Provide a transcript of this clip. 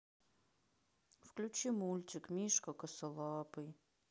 включи мультик мишка косолапый